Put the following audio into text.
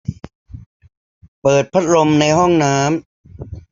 เปิดพัดลมในห้องน้ำ